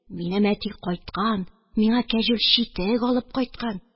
Минем әти кайткан, миңа кәҗүл читек алып кайткан